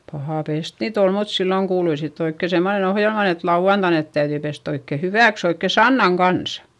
paha pestä niitä oli mutta silloin kuului sitten oikein semmoinen ohjelmaan että lauantaina ne täytyi pestä oikein hyväksi oikein sannan kanssa